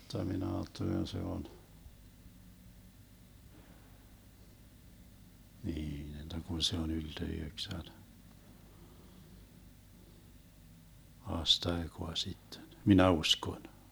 jotta minä ajattelen se on niin jotta kun se on ylte yhdeksän aastaikaa sitten minä uskon